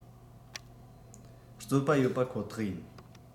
བརྩོད པ ཡོད པ ཁོ ཐག ཡིན